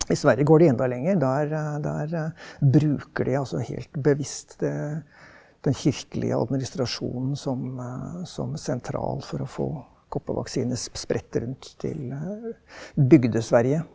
i Sverige går de enda lenger, der der bruker de altså helt bevisst det den kirkelige administrasjonen som som sentral for å få koppevaksine spredt rundt til bygde-Sverige.